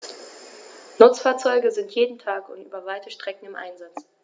Nutzfahrzeuge sind jeden Tag und über weite Strecken im Einsatz.